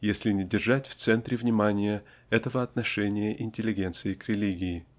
если не держать в центре внимания этого отношения интеллигенции к религии.